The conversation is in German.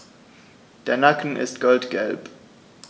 Der Nacken ist goldgelb.